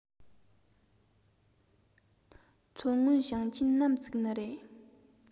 མཚོ སྔོན ཞིང ཆེན ནམ བཙུགས ནི རེད